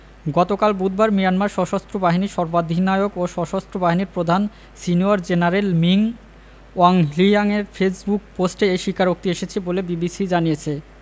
গতকাল বুধবার মিয়ানমার সশস্ত্র বাহিনীর সর্বাধিনায়ক ও সশস্ত্র বাহিনীর প্রধান সিনিয়র জেনারেল মিন অং হ্লিয়াংয়ের ফেসবুক পোস্টে এই স্বীকারোক্তি এসেছে বলে বিবিসি জানিয়েছে